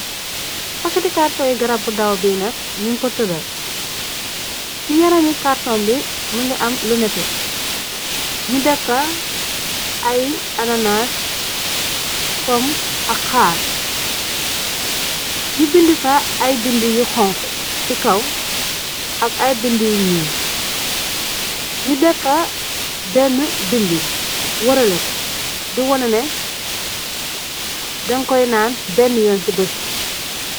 Paketi karton garab bu ndaw bi nak nyu ko taral, si yaram mi karton bi mingi am lu nete, nyu def fa ay ananas, pom ak xaal, nyu binde fa ay binde yu xonxu si kaw ak ay binde yu nyuul, yu def fa benne binde waraleko, di wane ne dangkoy naan benne yoon si besbi.